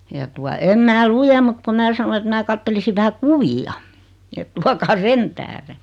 ja tuota en minä lue mutta kun minä sanoin että minä katselisin vähän kuvia että tuokaa sen tähden